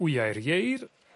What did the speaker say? Wyau'r ieir,